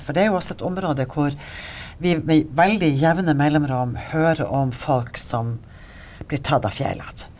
for det er jo også et område hvor vi med veldig jevne mellomrom hører om folk som blir tatt av fjellene.